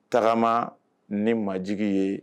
Tagama ni ma jigin ye